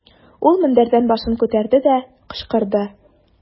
Ул мендәрдән башын күтәрде дә, кычкырды.